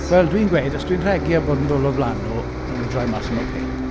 Wel, dwi'n gweud, os dwi'n rhegi a bod yn ddwl o flaen nhw wnawn nhw droi mas yn ok.